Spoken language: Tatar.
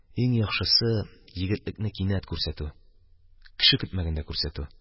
Иң яхшысы – егетлекне кинәт күрсәтү, кеше көтмәгәндә күрсәтү.